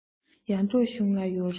ཡར འབྲོག གཞུང ལ ཡོག རེད